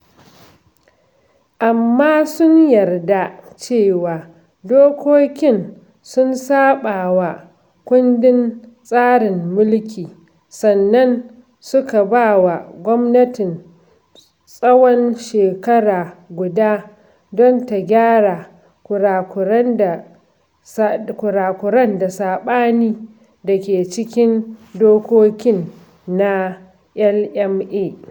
Amma sun yarda cewa dokokin sun saɓawa kundin tsarin mulki, sannan suka ba wa gwamnatin tsawon shekara guda don ta gyara kure-kuran da saɓani da ke cikin dokokin na LMA.